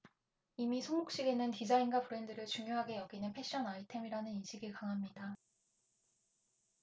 이미 손목시계는 디자인과 브랜드를 중요하게 여기는 패션 아이템이라는 인식이 강합니다